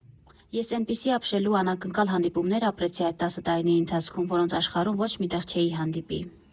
Ես էնպիսի ապշելու անակնկալ հանդիպումներ ապրեցի այդ տասը տարիների ընթացքում, որոնց աշխարհում ոչ մի տեղ չէի հանդիպի։